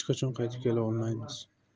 hech qachon qaytib kela olmaymiz